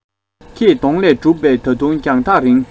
ཁྱེད གདོང ལས གྲུབ པའི ད དུང རྒྱང ཐག རིང